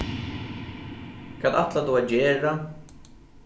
hvat ætlar tú at gera